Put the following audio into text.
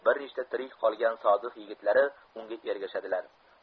bir nechta tirik qolgan sodiq yigitlari unga ergashadilar